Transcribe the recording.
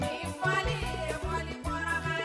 Mɔli fali bara